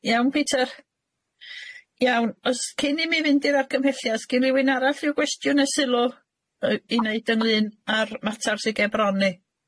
Iawn Peter, iawn o's cyn i mi fynd i'r argymhelliad sgyn rywun arall ryw gwestiwn neu sylw yy i neud ynglŷn a'r matar sy' gen bron ni?